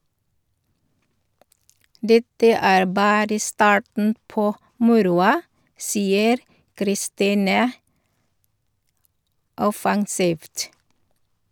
- Dette er bare starten på moroa, sier Kristine offensivt.